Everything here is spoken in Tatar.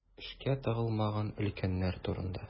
Эшкә тыгылмаган өлкәннәр турында.